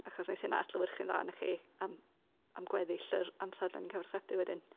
achos wneith hynna adlewyrchu'n dda arnoch chi am am gweddill yr amser dan ni'n cyfathrebu wedyn.